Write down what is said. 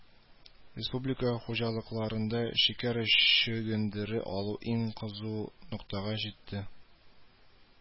Республика хуҗалыкларында шикәр чөгендере алу иң кызу ноктага җитте